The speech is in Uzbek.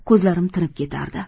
ko'zlarim tinib ketardi